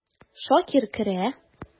Шакир керә.